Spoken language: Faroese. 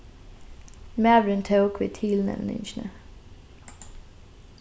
maðurin tók við tilnevningini